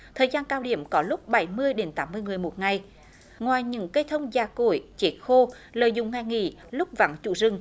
thời gian cao điểm có lúc bảy mươi đến tám mươi người một ngày ngoài những cây thông già cỗi chết khô lợi dụng ngày nghỉ lúc vắng chủ rừng